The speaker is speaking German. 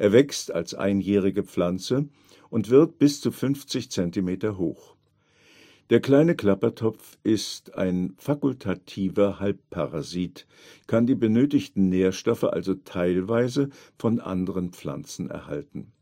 wächst als einjährige Pflanze und wird bis zu 50 Zentimeter hoch. Der Kleine Klappertopf ist ein fakultativer Halbparasit, kann die benötigten Nährstoffe also teilweise von anderen Pflanzen erhalten.